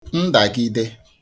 ndàgide